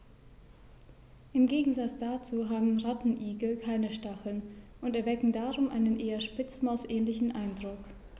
Im Gegensatz dazu haben Rattenigel keine Stacheln und erwecken darum einen eher Spitzmaus-ähnlichen Eindruck.